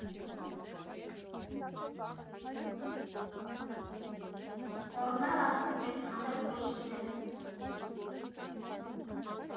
Օռնելան ստիպեց հանել կոշիկները։